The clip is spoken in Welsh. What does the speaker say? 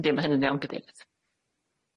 Yndi ma' hynny'n iawn Gadeirydd.